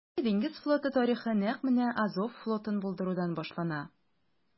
Россия диңгез флоты тарихы нәкъ менә Азов флотын булдырудан башлана.